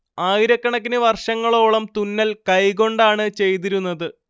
ആയിരക്കണക്കിന് വർഷങ്ങളോളം തുന്നൽ കൈകൊണ്ടാണ് ചെയ്തിരുന്നത്